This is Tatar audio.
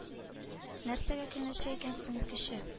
Нәрсәгә көнләшә икән соң ул кеше